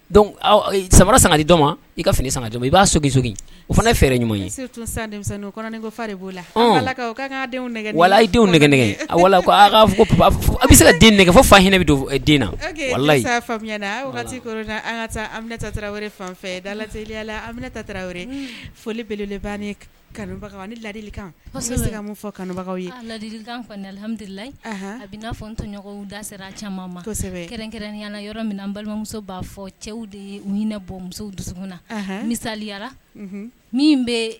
Samara sangali dɔn ma i ka fini sankajɔ i b'aigin o fana fɛɛrɛ ɲuman ye de b'o la wala denw a bɛ se den nɛgɛ fo fa hinɛ bɛ don na wala fanfɛya amita foli belebaga ladidihamdulilayi a bɛ na fɔ n tɔɲɔgɔn da sera caman ma kɛrɛnkɛrɛnana yɔrɔ min balimamuso b'a fɔ cɛw de ye u bɔ muso dusu na misaliyara min bɛ